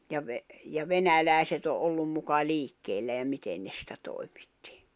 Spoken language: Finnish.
ja - ja venäläiset on ollut muka liikkeellä ja miten ne sitä toimitti